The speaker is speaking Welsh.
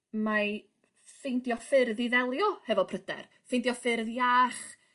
mae feindio ffyrdd i ddelio hefo pryder ffeindio ffyrdd iach